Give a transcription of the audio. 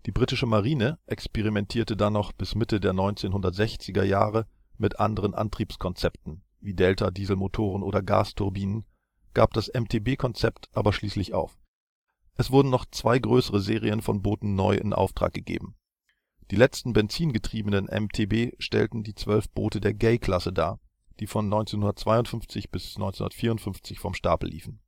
britische Marine experimentierte dann noch bis Mitte der 1960er Jahre mit anderen Antriebskonzepten, wie Delta-Dieselmotoren oder Gasturbinen, gab das MTB-Konzept aber schließlich auf. Es wurden noch zwei größere Serien von Booten neu in Auftrag gegeben. Die letzten Benzingetriebenen MTB stellten die 12 Boote der Gay-Klasse dar, die von 1952 bis 1954 vom Stapel liefen